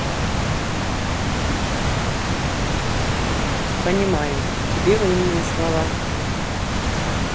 понимаю тебе умные слова